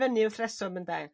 fyny wrth rheswm ynde?